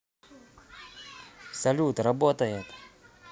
салют работает